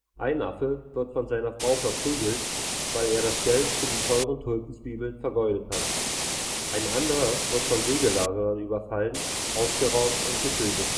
ein Affe wird von seiner Frau verprügelt, weil er das Geld für die teuren Tulpenzwiebeln vergeudet hat, ein anderer wird von Wegelagerern überfallen, ausgeraubt und getötet